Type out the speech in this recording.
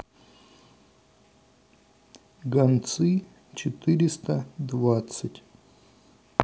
гонцы четыреста двадцать